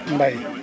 mbay